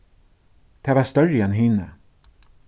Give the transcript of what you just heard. tað var størri enn hini